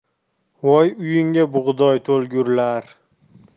voy uyingga bug'doy to'lgurlar